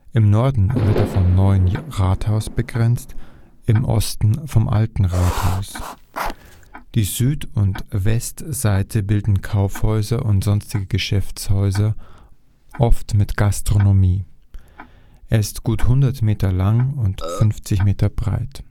Im Norden wird er vom Neuen Rathaus begrenzt, im Osten vom Alten Rathaus, die Süd - und Westseite bilden Kaufhäuser und sonstige Geschäftshäuser, oft mit Gastronomie. Er ist gut 100 Meter lang und etwa 50 Meter breit